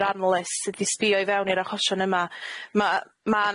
yr analysts sy 'di sbïo i fewn i'r achoshon yma ma' ma'